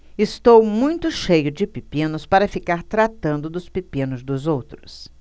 estou muito cheio de pepinos para ficar tratando dos pepinos dos outros